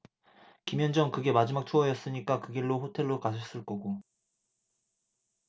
김현정 그게 마지막 투어였으니까 그 길로 호텔로 가셨을 거고